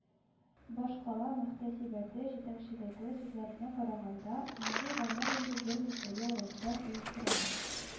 Башкала мөхтәсибәте җитәкчелеге сүзләренә караганда, мондый гамәл инде берничә ел рәттән оештырыла